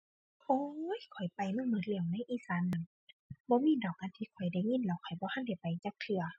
โอ้ย ข้อยไปมาหมดแล้วในอีสานนั้น บ่มีดอกอันที่ข้อยได้ยินแล้วข้อยบ่ทันได้ไปจักเทื่อ